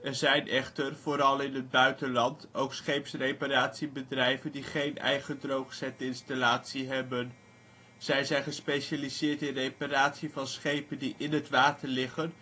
zijn echter, vooral in het buitenland, ook scheepsreparatiebedrijven die geen eigen droogzetinstallatie hebben. Zij zijn gespecialiseerd in reparatie van schepen die in het water liggen